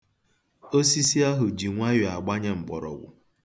Osisi ahụ ji nwayọ agbanye mkpọrọgwụ.